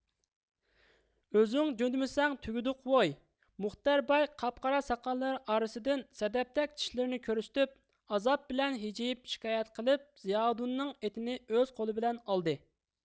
ئۆزۈڭ جۆندىمىسەڭ تۈگىدۇق ۋۇي مۇختەر باي قاپقارا ساقاللىرى ئارىسىدىن سەدەپتەك چىشلىرىنى كۆرسىتىپ ئازاب بىلەن ھىجىيىپ شىكايەت قىلىپ زىياۋۇدۇننىڭ ئېتىنى ئۆز قولى بىلەن ئالدى